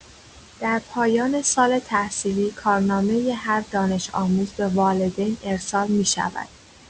در پایان سال تحصیلی، کارنامۀ هر دانش‌آموز به والدین ارسال می‌شود.